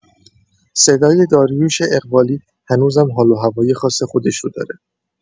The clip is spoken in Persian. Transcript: صدای داریوش اقبالی هنوزم حال‌وهوای خاص خودش رو داره.